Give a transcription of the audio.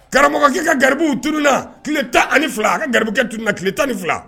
Karamɔgɔ k'i ka garibuw tuna kile tan ani ni fila an ka garibukɛ tu tile tan ni fila